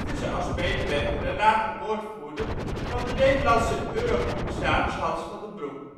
ze als medewerker en later woordvoerder van de Nederlandse Eurocommissaris Hans van den Broek